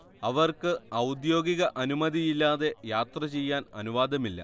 അവർക്ക് ഔദ്യോഗിക അനുമതിയില്ലാതെ യാത്രചെയ്യാൻ അനുവാദമില്ല